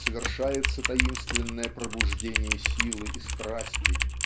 совершается таинственное пробуждение силы и страсти.